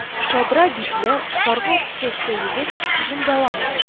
Шадра битле, саргылт чәчле егет, сүзен дәвам итеп: